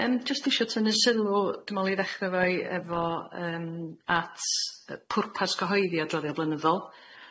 Yym jyst isio tynnu sylw dwi me'wl i ddechre foi efo yym at yy pwrpas gyhoeddi adroddiad blynyddol.